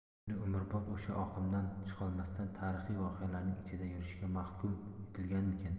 endi umrbod o'sha oqimdan chiqolmasdan tarixiy voqealarning ichida yurishga mahkum etilganmikin